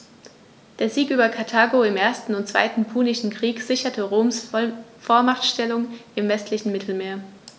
Der Sieg über Karthago im 1. und 2. Punischen Krieg sicherte Roms Vormachtstellung im westlichen Mittelmeer.